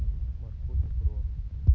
морковь про